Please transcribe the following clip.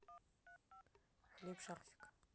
хлеб шарфик